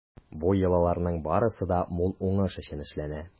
Бу йолаларның барысы да мул уңыш өчен эшләнә.